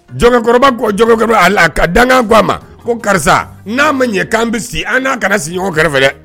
Jɔnkɔrɔba ko jɔnkɛ a la a ka dankan a ma ko karisa n'a ma ɲɛ k'an bɛ si an n'a kɛra sigiɲɔgɔn kɛrɛfɛ dɛ